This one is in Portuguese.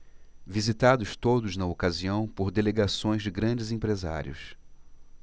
visitados todos na ocasião por delegações de grandes empresários